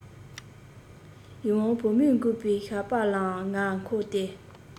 ཡིད འོང བུ མོ འགུགས པའི ཞགས པ ལའང ང མཁོ སྟེ